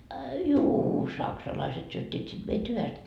a juu saksalaiset syöttivät sitten meitä hyvästi